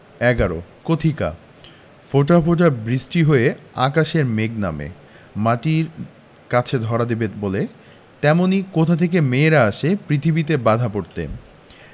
১১ কথিকা ফোঁটা ফোঁটা বৃষ্টি হয়ে আকাশের মেঘ নামে মাটির কাছে ধরা দেবে বলে তেমনি কোথা থেকে মেয়েরা আসে পৃথিবীতে বাঁধা পড়তে